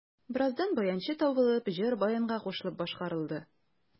Бераздан баянчы табылып, җыр баянга кушылып башкарылды.